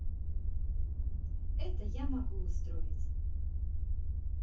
это я могу устроить